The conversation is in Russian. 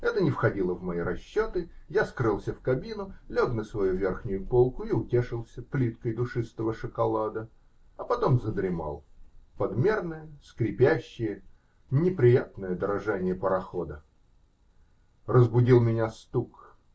Это не входило в мои расчеты, я скрылся в кабину, лег на свою верхнюю полку и утешился плиткой душистого шоколада, а потом задремал под мерное, скрипящее, неприятное дрожание парохода. Разбудил меня стук.